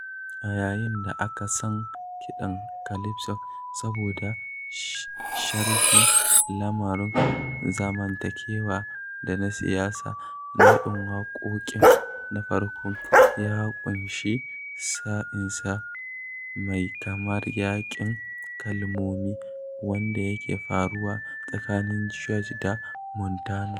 A yayin da aka san kiɗan calypso saboda sharhin lamarun zamantakewa da na siyasa, nau'in waƙoƙin na farko ya ƙunshi sa'insa mai kamar yaƙin kalmomi wanda yake faruwa tsakanin George da Montano.